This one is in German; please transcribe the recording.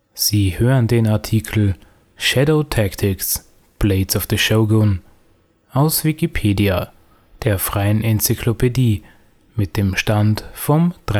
Sie hören den Artikel Shadow Tactics: Blades of the Shogun, aus Wikipedia, der freien Enzyklopädie. Mit dem Stand vom Der